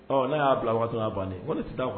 Ɔ n'a y'a bila waatito' bannen wa ni sisan